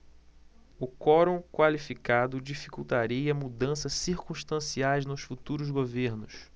o quorum qualificado dificultaria mudanças circunstanciais nos futuros governos